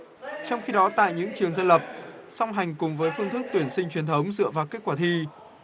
trong khi đó tại những trường dân lập song hành cùng với phương thức tuyển sinh truyền thống dựa vào kết quả thi